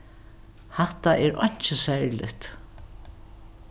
hatta er einki serligt